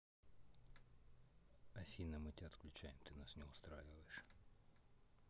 афина мы тебя отключаем ты нас не устраиваешь